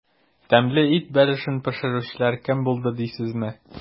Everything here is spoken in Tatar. Тәмле ит бәлешен пешерүчеләр кем булды дисезме?